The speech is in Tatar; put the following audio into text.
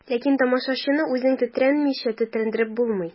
Ләкин тамашачыны үзең тетрәнмичә тетрәндереп булмый.